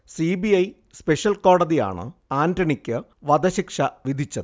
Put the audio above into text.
C. B. I special കോടതിയാണ് ആന്റണിക്ക് വധശിക്ഷ വിധിച്ചത്